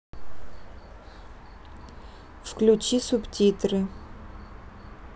включи субтитры